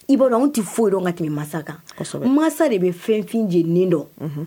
I b'a dɔn anw tɛ foyi dɔn ka tɛmɛ masa kan masa de bɛ fɛnfin j dɔn